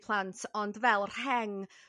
plant ond fel rheng